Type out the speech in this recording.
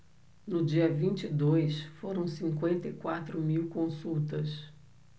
no dia vinte e dois foram cinquenta e quatro mil consultas